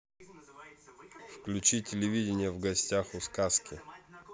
включи телевидение в гостях у сказки